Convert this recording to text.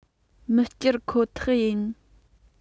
མི གཅར ཁོ ཐག ཡིན